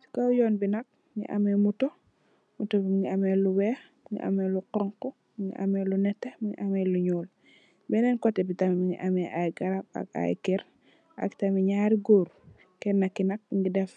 Ci kaw yoon bi nak mugii ameh moto, moto bi mugii ameh lu wèèx, mugii ameh lu xonxu, mugii ameh lu netteh, mugii ameh lu ñuul. Benen koteh bi tamit mugii ameh ay garap ak ay kèr ak tamit ñaari gór, Kenna ki mugii def